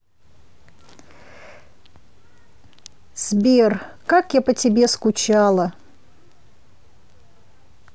сбер как я по тебе скучала